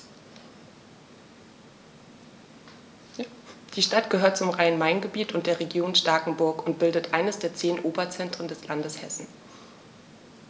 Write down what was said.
Die Stadt gehört zum Rhein-Main-Gebiet und der Region Starkenburg und bildet eines der zehn Oberzentren des Landes Hessen.